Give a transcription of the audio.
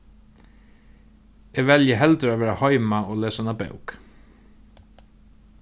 eg velji heldur at vera heima og lesa eina bók